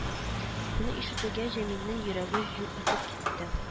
Моны ишетүгә җәмилнең йөрәге жу итеп китте